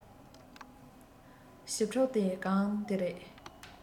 ཞི ཕྲུག དེ གང དེ རེད